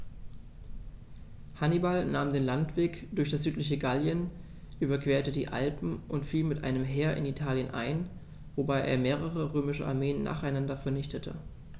Hannibal nahm den Landweg durch das südliche Gallien, überquerte die Alpen und fiel mit einem Heer in Italien ein, wobei er mehrere römische Armeen nacheinander vernichtete.